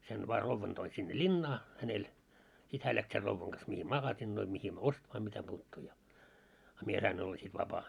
sen vain rouvan toin sinne linnaan hänellä sitten hän lähti sen rouvan kanssa mihin makasiineihin mihin ostamaan mitä puuttuu ja a minä sain olla sitten vapaa